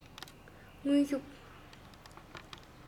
དངོས ཤུགས